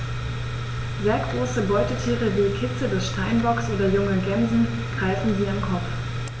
Sehr große Beutetiere wie Kitze des Steinbocks oder junge Gämsen greifen sie am Kopf.